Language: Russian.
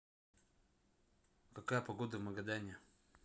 какая погода в магадане